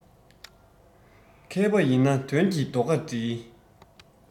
མཁས པ ཡིན ན དོན གྱི རྡོ ཁ སྒྲིལ